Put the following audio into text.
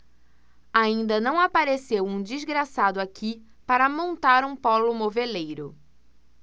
ainda não apareceu um desgraçado aqui para montar um pólo moveleiro